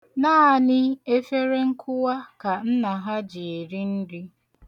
Naanị efere nkụwa ka nna ha ji eri nri.